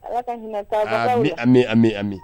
Ala ka hinɛ taabagaw la aami ami ami ami